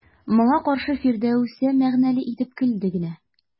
Моңа каршы Фирдәүсә мәгънәле итеп көлде генә.